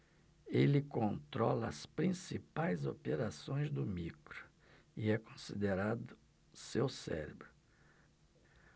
ele controla as principais operações do micro e é considerado seu cérebro